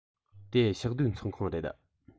དེ ཕྱོགས བསྡུས ཚོགས ཁང རེད